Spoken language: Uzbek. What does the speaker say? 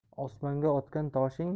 osmonga otgan toshing